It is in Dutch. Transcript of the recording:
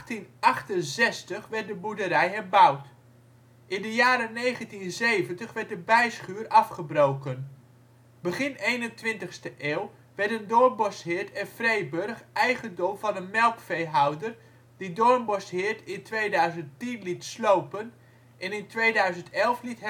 1868 werd de boerderij herbouwd. In de jaren 1970 werd de bijschuur afgebroken. Begin 21e eeuw werden Doornbosheerd en Freeburg eigendom van een melkveehouder die Doornbosheerd in 2010 liet slopen en in 2011 liet herbouwen